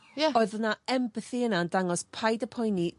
Ie. Oedd 'na empathi yna'n dangos paid â poeni